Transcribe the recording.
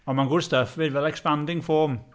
Ond mae'n good stuff hefyd, fel expanding foam.